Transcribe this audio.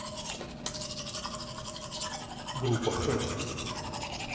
группа х